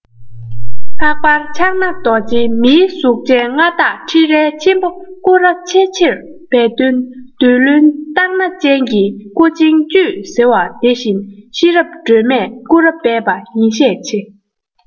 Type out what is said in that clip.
ག པར ཕྱག ན རྡོ རྗེ མིའི གཟུགས ཅན མངའ བདག ཁྲི རལ ཆེན པོ སྐུ ར ཆེས ཆེར བད བསྟུན བདུད བློན སྟག སྣ ཅན གྱིས སྐུ མཇིང གཅུས ཟེར བ དེ བཞིན ཤེས རབ སྒྲོལ མས སྐུ ར བད པ ཡིན ཤས ཁ